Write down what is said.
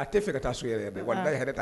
A tɛ fɛ ka taa so yɛrɛ mais walahi